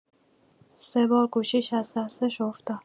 سه بار گوشیش از دستش افتاد!